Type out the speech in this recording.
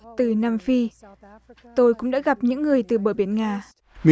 tư nhân phi tôi cũng đã gặp những người từ bờ biển ngà